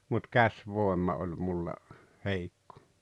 mutta käsivoima oli minulla heikko